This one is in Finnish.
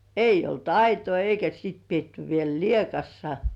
ei ollut aitoja eikä sitten pidetty vielä lieassa